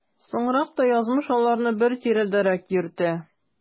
Соңрак та язмыш аларны бер тирәдәрәк йөртә.